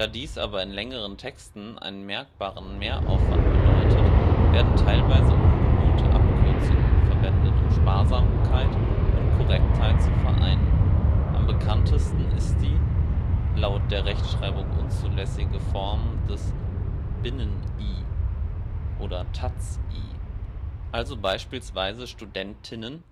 dies aber in längeren Texten einen merkbaren Mehraufwand bedeutet, werden teilweise ungewohnte Abkürzungen verwendet, um Sparsamkeit und Korrektheit zu vereinen. Am bekanntesten ist die – laut der Rechtschreibung unzulässige – Form des Binnen-I (taz-I), also beispielsweise StudentInnen